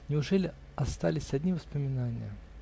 Неужели остались одни воспоминания?